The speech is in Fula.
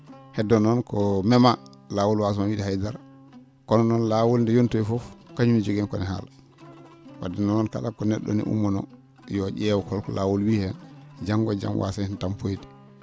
heddoo noon ko memaa laawol waasa wiide noon haydara kono noon laawol nde yontoyi fof kañum ne jogii kone haala wadde noon kala ko ne??o no ummanoo yo ?eew holko laawol wiyi heen janngo e jam waasa heen tampoyde